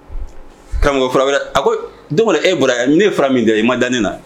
Fura wɛrɛ a ko don e bɔra yan ne fara min kɛ i ma dan ne na